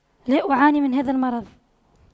لا أعاني من هذا المرض